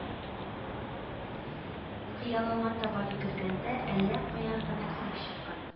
Хыялыңа таба йөгергәндә, әллә каян гына килеп чыккан